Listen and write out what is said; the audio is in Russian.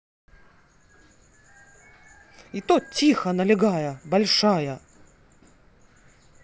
и то тихо налегая большая